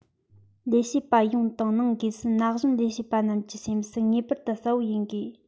ལས བྱེད པ ཡོངས དང ནང སྒོས སུ ན གཞོན ལས བྱེད པ རྣམས ཀྱི སེམས སུ ངེས པར དུ གསལ བོ ཡིན དགོས